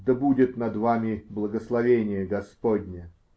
Да будет над вами благословение Господне!